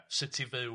Sut i fyw...